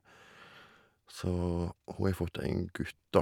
Så hun har fått en gutt, da.